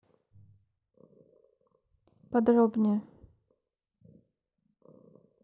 подробнее